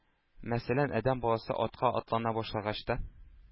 Мәсәлән, адәм баласы атка атлана башлагач та,